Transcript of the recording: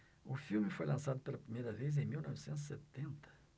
o filme foi lançado pela primeira vez em mil novecentos e setenta